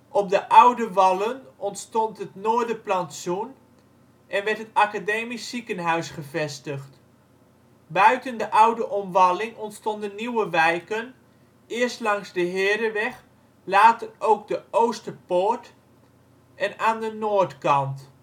op de oude wallen ontstond het Noorderplantsoen en werd het Academisch Ziekenhuis gevestigd. Buiten de oude omwalling ontstonden nieuwe wijken, eerst langs de Hereweg, later ook de Oosterpoort en aan de noordkant